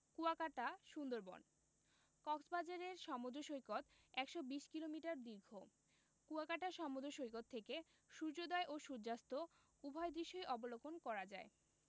কুয়াকাটা সুন্দরবন কক্সবাজারের সমুদ্র সৈকত ১২০ কিলোমিটার দীর্ঘ কুয়াকাটা সমুদ্র সৈকত থেকে সূর্যোদয় ও সূর্যাস্ত উভয় দৃশ্যই অবলোকন করা যায়